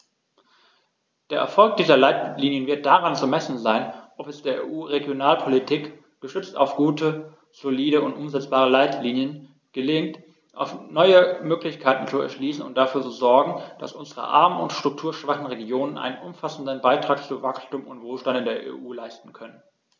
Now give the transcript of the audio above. Der Erfolg dieser Leitlinien wird daran zu messen sein, ob es der EU-Regionalpolitik, gestützt auf gute, solide und umsetzbare Leitlinien, gelingt, neue Möglichkeiten zu erschließen und dafür zu sorgen, dass unsere armen und strukturschwachen Regionen einen umfassenden Beitrag zu Wachstum und Wohlstand in der EU leisten können.